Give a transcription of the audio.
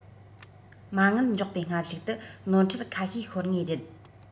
མ དངུལ འཇོག པའི སྔ གཞུག ཏུ ནོར འཁྲུལ ཁ ཤས ཤོར ངེས རེད